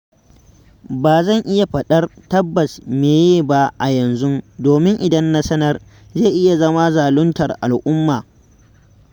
Ba zan iya faɗar tabbas me ye ba a yanzu domin idan na sanar, zai iya zama zaluntar al'umma.